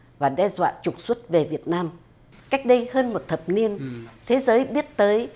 và đe dọa trục xuất về việt nam cách đây hơn một thập niên thế giới biết tới